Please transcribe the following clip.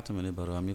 A tɛmɛ ne baro